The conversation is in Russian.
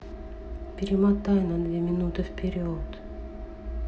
перемотай на две минуты вперед